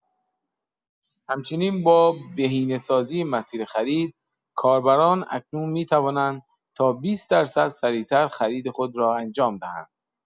همچنین با بهینه‌سازی مسیر خرید، کاربران اکنون می‌توانند تا ۲۰ درصد سریع‌تر خرید خود را انجام دهند؛